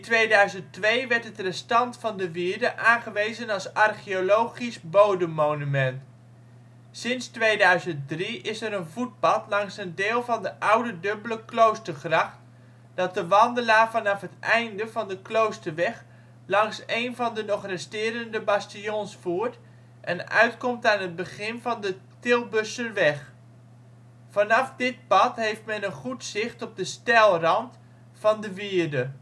2002 werd het restant van de wierde aangewezen als archeologisch bodemmonument. Sinds 2003 is er een voetpad langs een deel van de oude dubbele kloostergracht dat de wandelaar vanaf het einde van de Kloosterweg langs een van de nog resterende bastions voert en uitkomt aan het begin van de Tilbusscherweg. Vanaf dit pad heeft men een goed zicht op de steilrand van de wierde